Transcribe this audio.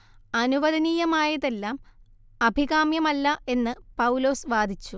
അനുവദനീയമായതെല്ലാം അഭികാമ്യമല്ല എന്ന് പൗലോസ് വാദിച്ചു